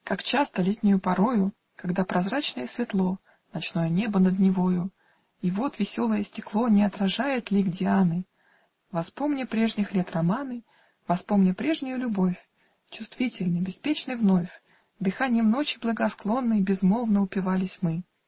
Как часто летнею порою, Когда прозрачно и светло Ночное небо над Невою И вод веселое стекло Не отражает лик Дианы, Воспомня прежних лет романы, Воспомня прежнюю любовь, Чувствительны, беспечны вновь, Дыханьем ночи благосклонной Безмолвно упивались мы!